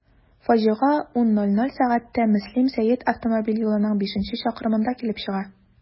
Фаҗига 10.00 сәгатьтә Мөслим–Сәет автомобиль юлының бишенче чакрымында килеп чыга.